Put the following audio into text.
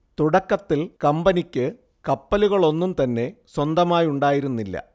തുടക്കത്തിൽ കമ്പനിക്ക് കപ്പലുകളൊന്നും തന്നെ സ്വന്തമായുണ്ടായിരുന്നില്ല